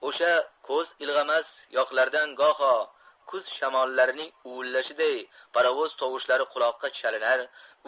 o'sha ko'z ilg'amas yoqlardan goho kuz shamollarining uvillashiday parovoz tovushlari quloqqa chalinar